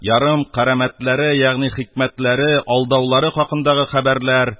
Ярым кәрамәтләре ягъни хикмәтләре алдаулары хакындагы хәбәрләр